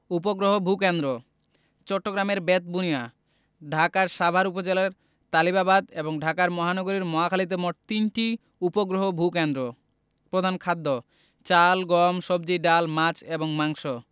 উপগ্রহ ভূ কেন্দ্রঃ চট্টগ্রামের বেতবুনিয়া ঢাকার সাভার উপজেলায় তালিবাবাদ এবং ঢাকা মহানগরীর মহাখালীতে মোট তিনটি উপগ্রহ ভূ কেন্দ্র প্রধান খাদ্যঃ চাল গম সবজি ডাল মাছ এবং মাংস